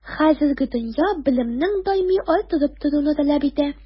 Хәзерге дөнья белемеңне даими арттырып торуны таләп итә.